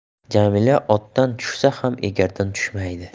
jamila otdan tushsa ham egardan tushmaydi